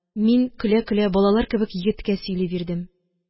Мин, көлә-көлә, балалар кебек егеткә сөйли бирдем.